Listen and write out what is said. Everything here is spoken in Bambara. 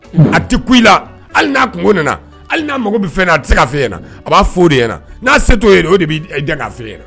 A te ku i la hali n'a kungo nana hali mago be fɛn na a te se k'a f'e ɲɛna a b'a f'o de ɲɛna n'a se t'o ye de o de be i dɛn k'a f'e ɲɛna